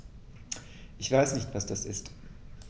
Ich weiß nicht, was das ist.